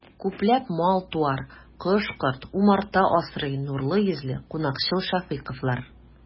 Күпләп мал-туар, кош-корт, умарта асрый нурлы йөзле, кунакчыл шәфыйковлар.